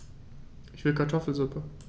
Ich will Kartoffelsuppe.